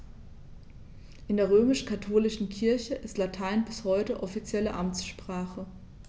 In der römisch-katholischen Kirche ist Latein bis heute offizielle Amtssprache.